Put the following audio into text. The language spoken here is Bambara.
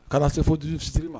Kana se fo 18 fitiri ma